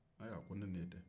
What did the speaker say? ayi ne ni e tɛ